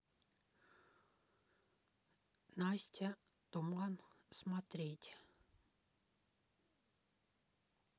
настя туман смотреть